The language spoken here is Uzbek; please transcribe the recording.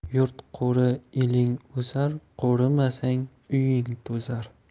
yurt qo'ri eling o'sar qo'rimasang uying to'zar